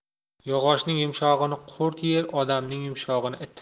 yog'ochning yumshog'ini qurt yer odamning yumshog'ini it